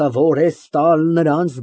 Ես ավազակ չեմ, Մարգարիտ։ ՄԱՐԳԱՐԻՏ ֊ Գնանք։